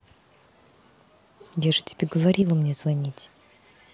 я же тебе говорила мне звонить